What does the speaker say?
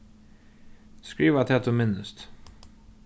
skriva tað tú minnist